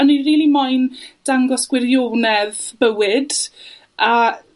o'n i rili moyn dangos gwirionedd bywyd, a